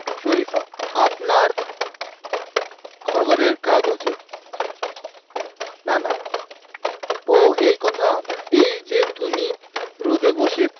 শরিফা আপনার খবরের কাগজে নানা ও এই কথা এই যে তুমি রোদে বসে